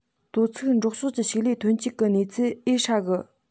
དོ ཚིགས འབྲོག ཕྱོགས གི ཕྱུགས ལས ཐོན སྐྱེད གི གནས ཚུལ ཨེ ཧྲ གི